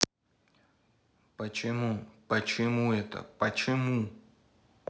почему почему это это почему